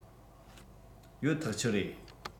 ཡོད ཐག ཆོད རེད